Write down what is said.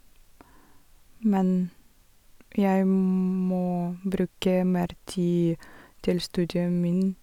Men jeg må bruke mer tid til studium min.